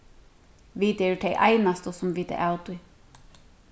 vit eru tey einastu sum vita av tí